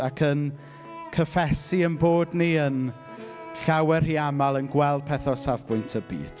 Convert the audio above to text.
Ac yn cyffesu ein bod ni yn llawer rhy aml yn gweld pethau o safbwynt y byd.